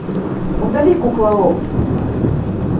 удали кукла lol